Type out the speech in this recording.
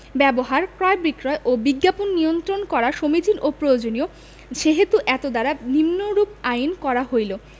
ব্যবহার ক্রয় বিক্রয় ও বিজ্ঞাপন নিয়ন্ত্রণ করা সমীচীন ও প্রয়োজনীয় সেহেতু এতদ্বারা নিম্নরূপ আইন করা হইল